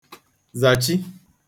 zàchi